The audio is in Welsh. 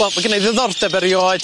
Wel ma' gynna i ddiddordeb erioed.